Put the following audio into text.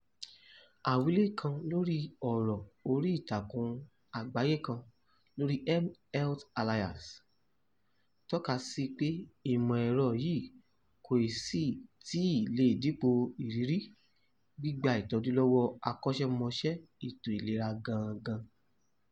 Àwílé kan lórí ọ̀rọ̀ orí ìtàkùn àgbáyé kan lórí mHealth Alliance tọ́ka sí pé ìmọ̀ ẹ̀rọ yìí kò sì tíì lè dípò ìrírí gbígba ìtọ́jú lọ́wọ́ akọ́ṣẹ́mọṣẹ́ ètò ìlera gangan.